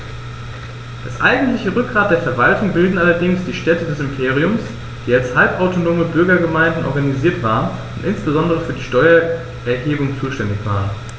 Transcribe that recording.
Das eigentliche Rückgrat der Verwaltung bildeten allerdings die Städte des Imperiums, die als halbautonome Bürgergemeinden organisiert waren und insbesondere für die Steuererhebung zuständig waren.